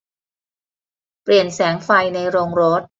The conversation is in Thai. เปลี่ยนแสงไฟในโรงรถ